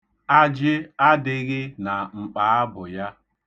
Ajị adịghị na mkpaabụ ya.